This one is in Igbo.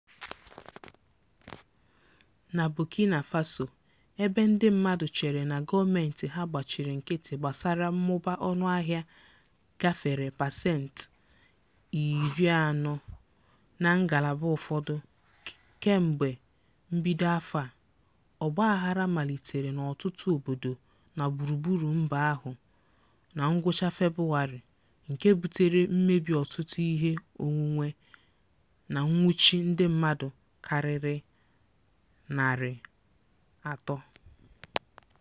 Na Burkina Faso, ebe ndị mmadụ chere na gọọmentị ha gbachịrị nkịtị gbasara mmụba ọnụahịa gafere pasenti 40 na ngalaba ụfọdụ kemgbe mbido afọ a, ọgbaaghara malitere n'ọtụtụ obodo na gburugburu mba ahụ na ngwụcha Febụwarị, nke butere mmebi ọtụtụ ihe onwunwe na nwụchi ndị mmadụ karịrị 300.